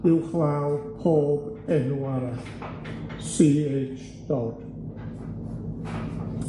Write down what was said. uwchlaw pob enw arall, See Haitch Dodd.